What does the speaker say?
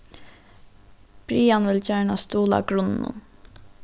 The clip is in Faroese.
brian vil gjarna stuðla grunninum